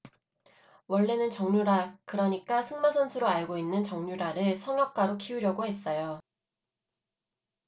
원래는 정유라 그러니까 승마 선수로 알고 있는 정유라를 성악가로 키우려고 했어요